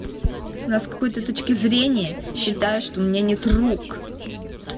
у нас какой то точки зрения считаешь то что у меня нет рук